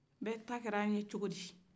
bɛɛ ta kɛra an ye cogo di